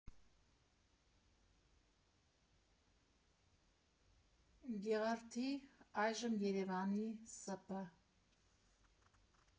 Գեղարդի (այժմ Երևանի Սբ.